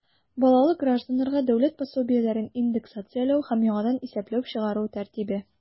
Балалы гражданнарга дәүләт пособиеләрен индексацияләү һәм яңадан исәпләп чыгару тәртибе.